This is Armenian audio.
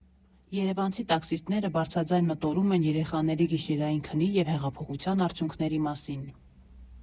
Երևանցի տաքսիստները բարձրաձայն մտորում են երեխաների գիշերային քնի և հեղափոխության արդյունքների մասին։